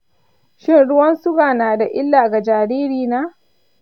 shin ruwan suga na da illa ga jariri na?